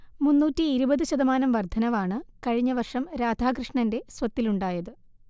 മുന്നൂറ്റി ഇരുപത് ശതമാനം വർദ്ധനവാണ് കഴിഞ്ഞ വർഷം രാധാകൃഷ്ണന്റെ സ്വത്തിലുണ്ടായത്